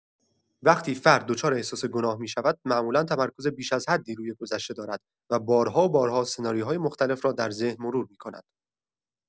وقتی فرد دچار احساس گناه می‌شود، معمولا تمرکز بیش از حدی روی گذشته دارد و بارها و بارها سناریوهای مختلف را در ذهن مرور می‌کند.